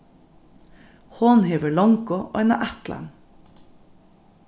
hon hevur longu eina ætlan